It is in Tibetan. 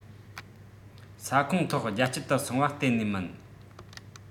ས ཁོངས ཐོག རྒྱ སྐྱེད དུ སོང བ གཏན ནས མིན